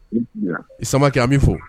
I samama kɛ an bɛ fo